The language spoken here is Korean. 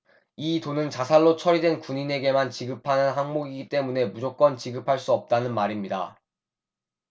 이 돈은 자살로 처리된 군인에게만 지급하는 항목이기 때문에 무조건 지급할 수 없다는 말입니다